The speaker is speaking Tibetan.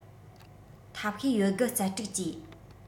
ཐབས ཤེས ཡོད རྒུ རྩལ སྤྲུགས ཀྱིས